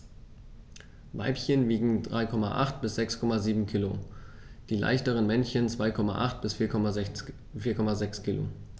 Weibchen wiegen 3,8 bis 6,7 kg, die leichteren Männchen 2,8 bis 4,6 kg.